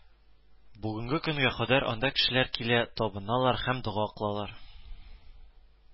Бүгенгә кадәр анда кешеләр килә, табыналар һәм дога кылалар